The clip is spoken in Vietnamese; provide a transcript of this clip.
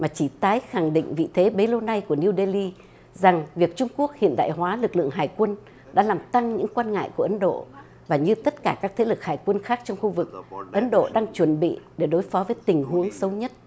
mà chỉ tái khẳng định vị thế bấy lâu nay của niu đê li rằng việc trung quốc hiện đại hóa lực lượng hải quân đã làm tăng những quan ngại của ấn độ và như tất cả các thế lực hải quân khác trong khu vực ấn độ đang chuẩn bị để đối phó với tình huống xấu nhất